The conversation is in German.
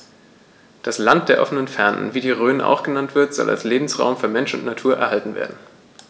Das „Land der offenen Fernen“, wie die Rhön auch genannt wird, soll als Lebensraum für Mensch und Natur erhalten werden.